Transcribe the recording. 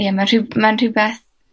ie, ma' rhyw ma'n rhywbeth